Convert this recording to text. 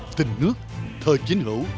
tình nước thời chiến hữu